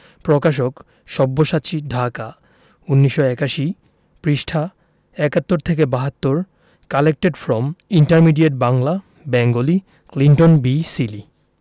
০১ কথোপকথন তুই নাকি আরব দেশে যাচ্ছিস বাদশা কিছু বলে না বোন তার হাত ধরে আবার বলে সত্যি